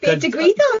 Be digwyddodd?